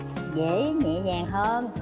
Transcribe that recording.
dễ nhẹ nhàng hơn